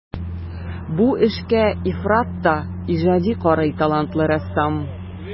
Бу эшкә ифрат та иҗади карый талантлы рәссам.